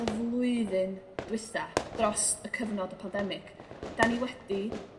y flwyddyn dwitha drost y cyfnod y pandemic 'dan ni wedi